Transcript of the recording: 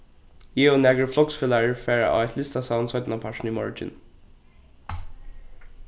eg og nakrir floksfelagar fara á eitt listasavn seinnapartin í morgin